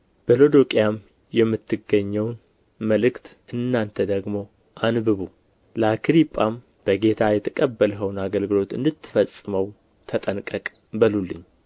ከሎዶቅያም የምትገኘውን መልእክት እናንተ ደግሞ አንብቡ ለአክሪጳም በጌታ የተቀበልኸውን አገልግሎት እንድትፈጽሙው ተጠንቀቅ በሉልኝ